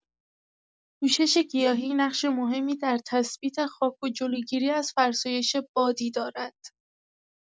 پوشش گیاهی نقش مهمی در تثبیت خاک و جلوگیری از فرسایش بادی دارد.